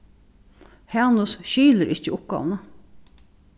hanus skilir ikki uppgávuna